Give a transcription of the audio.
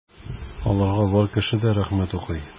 Аларга бар кеше дә рәхмәт укый.